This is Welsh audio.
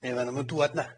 Ne' ma' nw'm yn dŵad na.